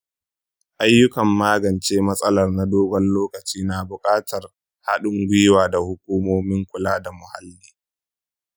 ayyukan magance matsalar na dogon lokaci na bukatar haɗin gwiwa da hukumomin kula da muhalli.